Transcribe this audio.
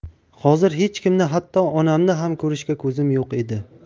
hozir hech kimni hatto onamni ham ko'rishga ko'zim yo'q edi